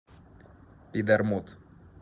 пидармот